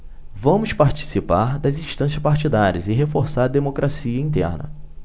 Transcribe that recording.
vamos participar das instâncias partidárias e reforçar a democracia interna